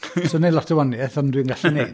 'Sa o'n wneud lot o wahaniaeth ond dwi'n gallu wneud.